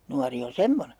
nuori on semmoinen